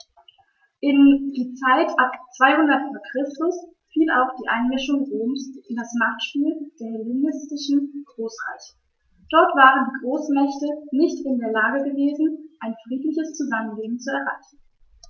In die Zeit ab 200 v. Chr. fiel auch die Einmischung Roms in das Machtspiel der hellenistischen Großreiche: Dort waren die Großmächte nicht in der Lage gewesen, ein friedliches Zusammenleben zu erreichen.